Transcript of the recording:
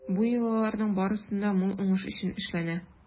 Бу йолаларның барысы да мул уңыш өчен эшләнә.